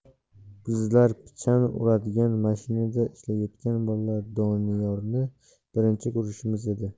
bizlar pichan o'radigan mashinada ishlayotgan bolalar doniyorni birinchi ko'rishimiz edi